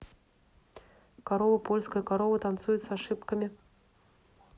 корова польская корова танцует с ошибками